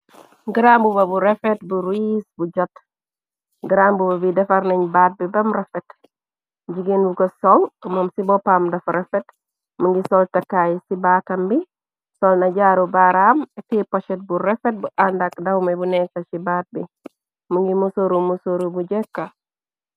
Garambuba bu rafet bu riis bu jot garambubu bi defar nañ bat bi bam rafet. Jigéen bu ko sol mom ci bópam dafa rafet mu ngi sol takay ci batam bi sol na jaru baraam teyeh poset bu rafet bu ànda ak dawmay bu nekka ci baat bi mu ngi mësoru mësoru bu jekka.